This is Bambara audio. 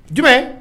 Jumɛn